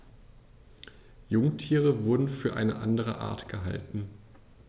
Jungtiere wurden für eine andere Art gehalten.